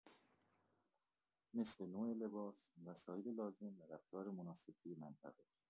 مثل نوع لباس، وسایل لازم و رفتار مناسب توی منطقه.